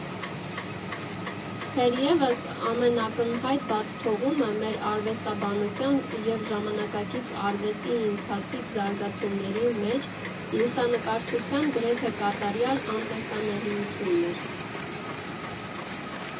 Թերևս ամենակնհայտ բացթողումը մեր արվեստաբանության և ժամանակակից արվեստի ընթացիկ զարգացումների մեջ լուսանկարչության՝ գրեթե կատարյալ անտեսանելիությունն էր։